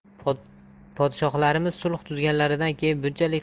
podshohlarimiz sulh tuzganlaridan keyin bunchalik